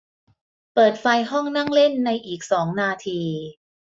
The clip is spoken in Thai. เปิดไฟห้องนั่งเล่นในอีกสองนาที